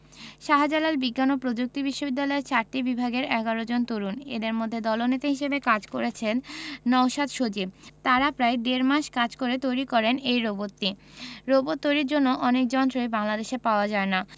শাহজালাল বিজ্ঞান ও প্রযুক্তি বিশ্ববিদ্যালয়ের চারটি বিভাগের ১১ জন তরুণ এদের মধ্যে দলনেতা হিসেবে কাজ করেছেন নওশাদ সজীব তারা প্রায় দেড় মাস কাজ করে তৈরি করেন এই রোবটটি রোবট তৈরির জন্য অনেক যন্ত্রই বাংলাদেশে পাওয়া যায় না